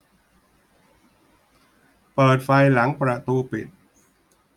เปิดไฟหลังประตูปิด